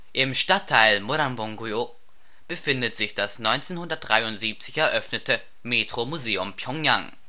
Im Stadtteil Moranbong-guyŏk befindet sich das 1973 eröffnete Metro-Museum Pjöngjang